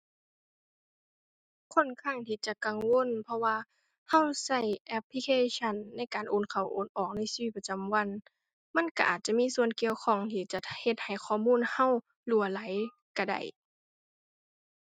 ค่อนข้างที่จะกังวล เพราะว่าเราเราแอปพลิเคชันในการโอนเข้าโอนออกในชีวิตประจำวัน มันเราอาจจะมีส่วนเกี่ยวข้องที่จะเฮ็ดให้ข้อมูลเรารั่วไหลเราได้